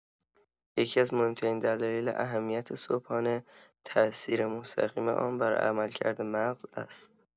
یکی‌از مهم‌ترین دلایل اهمیت صبحانه، تأثیر مستقیم آن بر عملکرد مغز است.